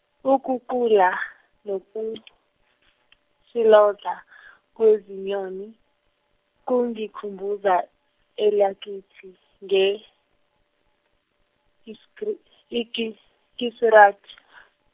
ukucula nokutshiloza kwezinyoni, kungikhumbuza elakithi nge, kiskri- ikis- kisirati.